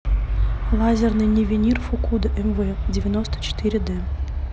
лазерный нивелир фукуда mw девяносто четыре д